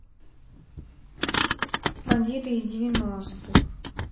бандиты из девяностых